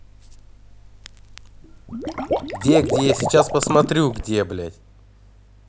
где где сейчас пасмурно где блядь